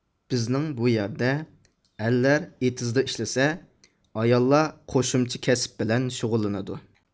بىزنىڭ بۇ يەردە ئەرلەر ئېتىزدا ئىشلىسە ئاياللار قوشۇمچە كەسىپ بىلەن شۇغۇللىنىدۇ